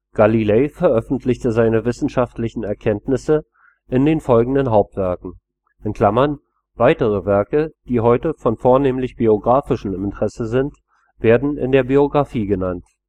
Galilei veröffentlichte seine wissenschaftlichen Erkenntnisse in den folgenden Hauptwerken (weitere Werke, die heute von vornehmlich biografischem Interesse sind, werden in der Biografie genannt